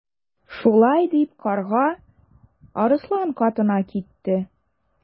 Шулай дип Карга Арыслан катына китте.